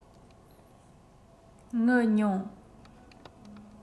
ངུ མྱོང